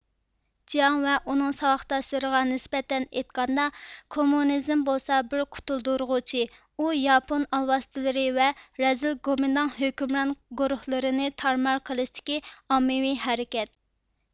جياڭ ۋە ئۇنىڭ ساۋاقداشلىرىغا نىسبەتەن ئېيتقاندا كومۇنىزم بولسا بىر قۇتۇلدۇرغۇچى ئۇ ياپۇن ئالۋاستىلىرى ۋە رەزىل گومىنداڭ ھۆكۈمران گورۇھلىرىنى تارمار قىلىشتىكى ئاممىۋى ھەرىكەت